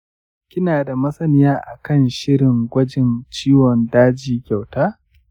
kinada masaniya akan shirin gwajin ciwon daji kyauta?